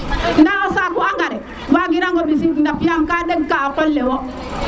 nda o saaku engrais wagi ngirang o ɓissid nap yaam ka ɗeng ka o qole wo